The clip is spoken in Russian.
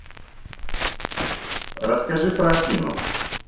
расскажи про афину